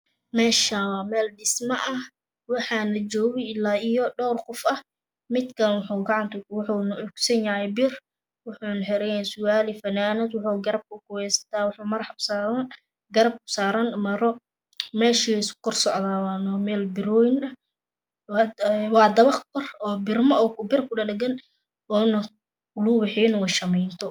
Meshan wa meeldhismo ah waxana joga alla iyo dhoorqof midkan wuxu cuskanyahay bir wuxuna xiranyahay surwal iyo fannanad wuxu garabka ku hesta waxa garbka usaran maro mesha kukorsocdo wamelbiroyon ah waadabaq kor birminkudhedhgan oonaLaguwaxeynoyashamindo